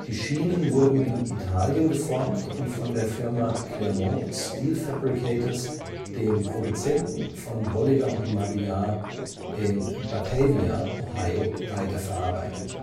Schienen wurden in Italien geformt und von der Firma Clermont Steel Fabricators, dem Produzenten von Bolliger & Mabillard, in Batavia (Ohio) weiterverarbeitet